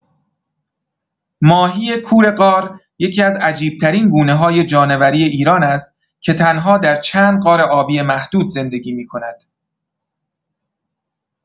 ماهی کور غار یکی‌از عجیب‌ترین گونه‌های جانوری ایران است که تنها در چند غار آبی محدود زندگی می‌کند.